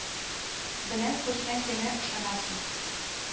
Белән күрсәң генә ышанасың